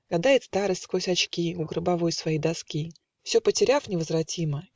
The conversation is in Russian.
Гадает старость сквозь очки У гробовой своей доски, Все потеряв невозвратимо